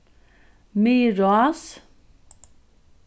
miðrás